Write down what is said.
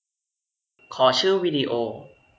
ขอชื่อวิดีโอ